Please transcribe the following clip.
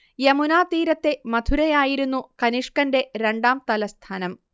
യമുനാ തീരത്തെ മഥുരയായിരുന്നു കനിഷ്കന്റെ രണ്ടാം തലസ്ഥാനം